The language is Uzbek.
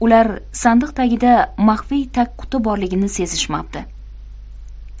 ular sandiq tagida maxfiy tagquti borligini sezishmabdi